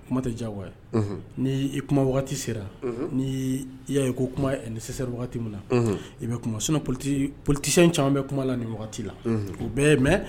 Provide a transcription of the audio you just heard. Kuma tɛ jawa ni i kuma wagati sera ni y yaa ye ko kuma nikisɛse wagati min na i bɛ kuma sun poli politisiyɛn caman bɛ kuma la ni wagati la u bɛɛ ye mɛ